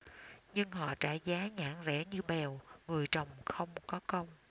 nhưng họ trả giá nhãn rẻ như bèo người trồng không có công